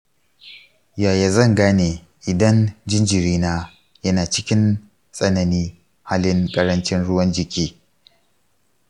yaya zan gane idan jinjirina yana cikin tsananin halin ƙarancin ruwan-jiki?